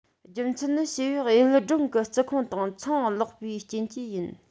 རྒྱུ མཚན ནི བྱི བས ཡུལ སྦྲང གི རྩི ཁུང དང ཚང བརླག པའི རྐྱེན གྱིས ཡིན